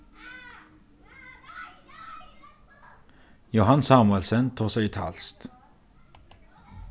jóhan samuelsen tosar italskt